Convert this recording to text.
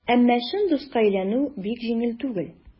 Әмма чын дуска әйләнү бик җиңел түгел.